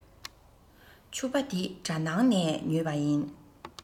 ཕྱུ པ འདི གྲ ནང ནས ཉོས པ ཡིན